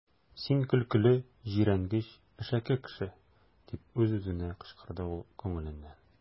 Син көлкеле, җирәнгеч, әшәке кеше! - дип үз-үзенә кычкырды ул күңеленнән.